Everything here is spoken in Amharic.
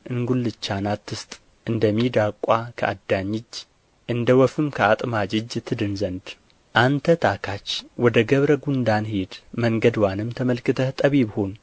እንጕልቻን አትስጥ እንደ ሚዳቋ ከአዳኝ እጅ እንደ ወፍም ከአጥማጅ እጅ ትድን ዘንድ አንተ ታካች ወደ ገብረ ጕንዳን ሂድ መንገድዋንም ተመልክተህ ጠቢብ ሁን